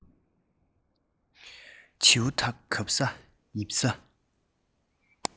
བྱིའུ དག གབ ས ཡིབ ས